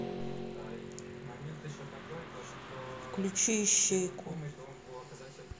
включи ищейку